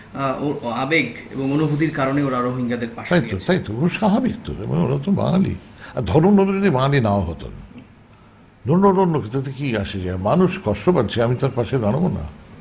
আবেগ অনুভূতির কারণে ওরা রোহিঙ্গা দের পাশে গিয়েছে তাই তো তাই তো স্বাভাবিক তো ওরা তো বাঙ্গালী ধরুন ওরা যদি বাঙালি না হতো ধরুন অন্যকিছু তাতে কি আসে যায় মানুষ কষ্ট পাচ্ছে আমি তার পাশে দাঁড়াবো না